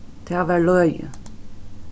tað var løgið